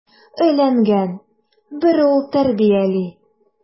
Өйләнгән, бер ул тәрбияли.